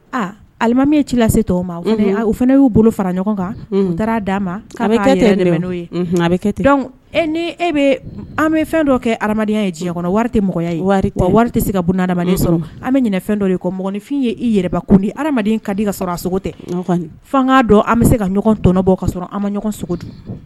Aa alimami ci la se tɔgɔ ma o fana y'u bolo fara ɲɔgɔn kana d'a ma n'o ye e ni e bɛ an bɛ fɛn dɔ kɛ adamadenyaya ye ji kɔnɔ tɛ tɛ se ka adama sɔrɔ an bɛ fɛn dɔ ye mɔgɔninfin ye i yɛrɛkundi adamaden ka di ka sɔrɔ a sogo tɛ dɔn an bɛ se ka ɲɔgɔn tɔnɔbɔ ka an bɛ ɲɔgɔn sogo dun